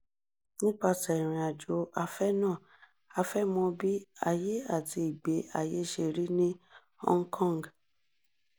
Nípasẹ̀ ìrìnàjò afẹ́ náà, a fẹ́ mọ bí ayé àti ìgbé ayé ṣe rí ní Hong Kong.